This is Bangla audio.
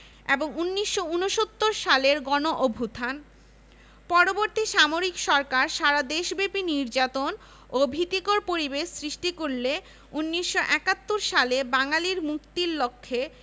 শিক্ষক ও ছাত্রদের স্বাধীনভাবে পড়ালেখা ও জ্ঞান অর্জনের লক্ষ্যে সরকার ঢাকা বিশ্ববিদ্যালয় অর্ডিন্যান্স ১৯৬১ রদ করে ঢাকা বিশ্ববিদ্যালয় অধ্যাদেশ